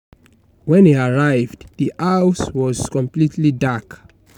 When he arrived, the house was completely dark.